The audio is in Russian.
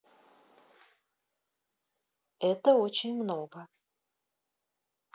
это очень много